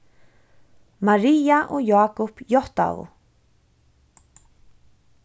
maria og jákup játtaðu